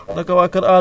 waaw